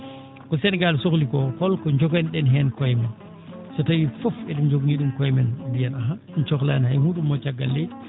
e jawdi ko Sénégal sohli koo holko njogani ɗen heen koye men so tawii fof enen njoganii ɗum koye men mbiyen ahan en cohlaani hay hunnde ummo caggal leydi